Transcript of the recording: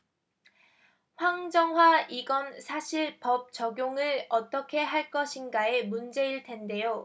황정화 이건 사실 법 적용을 어떻게 할 것인가의 문제일 텐데요